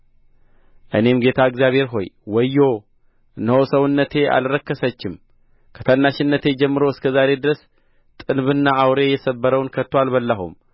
እኔም ጌታ እግዚአብሔር ሆይ ወዮ እነሆ ሰውነቴ አልረከሰችም ከታናሽነቴ ጀምሮ እስከ ዛሬ ድረስ ጥንብና አውሬ የሰበረውን ከቶ አልበላሁም